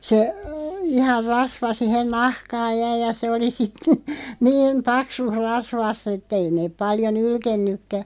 se ihan rasva siihen nahkaan jäi ja se oli sitten niin paksussa rasvassa että ei ne paljon nylkenytkään